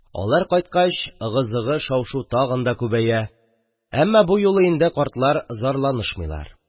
Алар кайткач, ыгы-зыгы, шау-шу тагы да күбәя, әммә бу юлы инде картлар зарланышмыйлар.